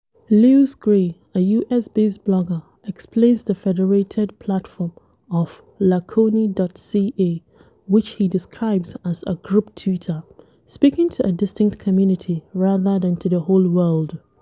Louis Gray, a US-based blogger, explains the federated platform of Laconi.ca, which he describes as a “group Twitter” – speaking to a distinct community rather than to the whole world.